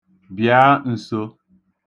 Bịa nso.